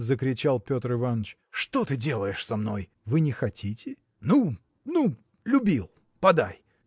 – закричал Петр Иваныч, – что ты делаешь со мной? – Вы не хотите? – Ну, ну: любил. Подай.